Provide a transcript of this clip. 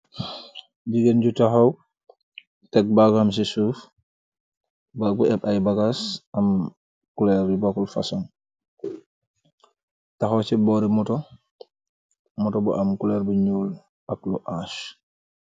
Jigéen ju taxaw tek baggu am ci suuf bagg bu épb ay bagas am kuleer yu bakkul fason taxaw ci boori moto moto bu am kuleer bu nuul ak lu ash.